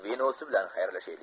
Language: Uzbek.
vinosi bilan xayrlashaylik